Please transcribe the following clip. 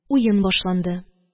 Уен башланды